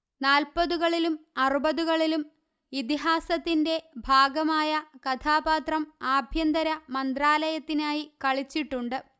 നാല്പ്പതുകളിലും അറുപതുകളിലും ഇതിഹാസത്തിന്റെ ഭാഗമായ കഥാപാത്രം ആഭ്യന്തര മന്ത്രാലയത്തിനായി കളിച്ചിട്ടുണ്ട്